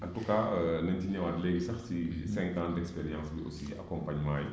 en tout cas nañ ci ñëwaat léegi sax si 5 ans d' expérience yi aussi : fra accompagnement yi